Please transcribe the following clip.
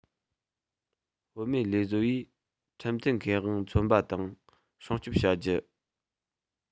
བུད མེད ལས བཟོ པའི ཁྲིམས མཐུན ཁེ དབང མཚོན པ དང སྲུང སྐྱོང བྱ རྒྱུ